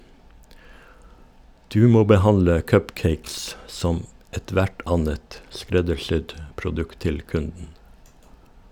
Du må behandle cupcakes som ethvert annet skreddersydd produkt til kunden.